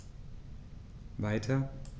Weiter.